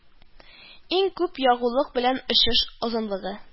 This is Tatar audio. Иң күп ягулык белән очыш озынлыгы